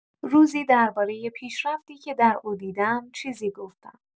روزی درباره پیشرفتی که در او دیدم چیزی گفتم.